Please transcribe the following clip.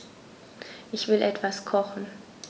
Ich will etwas kochen.